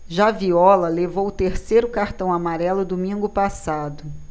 já viola levou o terceiro cartão amarelo domingo passado